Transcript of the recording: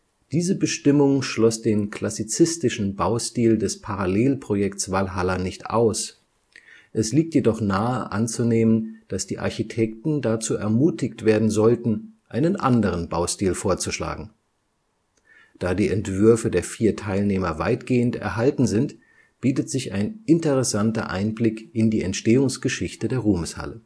Diese Bestimmung schloss den klassizistischen Baustil des Parallelprojekts Walhalla nicht aus, es liegt jedoch nahe anzunehmen, dass die Architekten dazu ermutigt werden sollten, einen anderen Baustil vorzuschlagen. Da die Entwürfe der vier Teilnehmer weitgehend erhalten sind, bietet sich ein interessanter Einblick in die Entstehungsgeschichte der Ruhmeshalle